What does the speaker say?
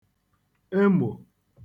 emò